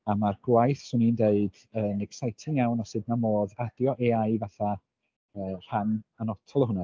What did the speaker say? A ma'r gwaith 'swn i'n deud, yn exciting iawn o sut ma' modd adio AI i fatha rhan annotol o hwnna.